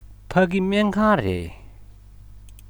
ཕ གི སྨན ཁང རེད